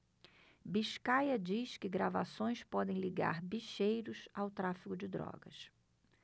biscaia diz que gravações podem ligar bicheiros ao tráfico de drogas